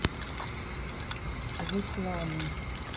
в исламе